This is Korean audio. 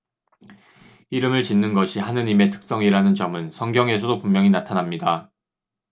이름을 짓는 것이 하느님의 특성이라는 점은 성경에서도 분명히 나타납니다